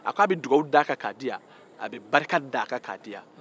a k'a bɛ dugawu d'a kan ka di yan a bɛ barika d'a kan ka di yan